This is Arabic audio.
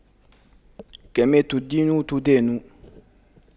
كما تدين تدان